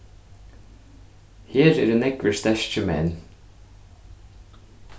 her eru nógvir sterkir menn